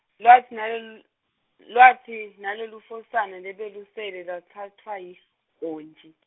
Lwatsi nalul- lwatsi, nelufosana lebelusele lwatsatfwa yihhontji.